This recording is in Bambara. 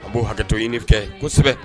A b'o hakɛtɔ ifɛ kosɛbɛ